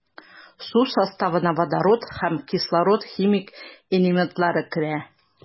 Су составына водород һәм кислород химик элементлары керә.